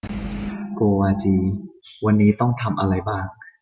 โกวาจีวันนี้ต้องทำอะไรบ้าง